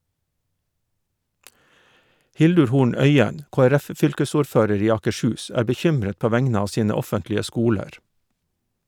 Hildur Horn Øien, KrF-fylkesordfører i Akershus, er bekymret på vegne av sine offentlige skoler.